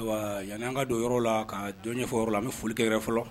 Awaa yani an ka d'o yɔrɔ la kaa dɔ ɲɛfɔ o yɔrɔ la an be foli kɛ yɛrɛ fɔlɔ